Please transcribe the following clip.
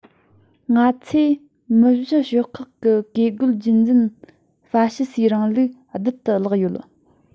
ང ཚོས མི བཞི ཤོག ཁག གི བཀས བཀོད རྒྱུད འཛིན ཧྥ ཤི སིའི རིང ལུགས རྡུལ དུ བརླགས ཡོད